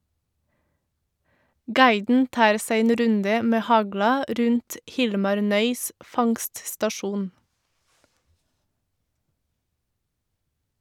Guiden tar seg en runde med hagla rundt Hilmar Nøis' fangststasjon.